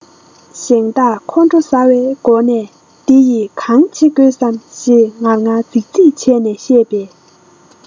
ཞིང བདག ཁོང ཁྲོ ཟ བའི སྒོ ནས འདི ཡིས གང བྱེད དགོས སམ ཞེས ངར ངར རྫིག རྫིག བྱས ནས བཤད པས